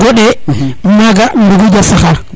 gonde maga ɗuŋuƴa saxa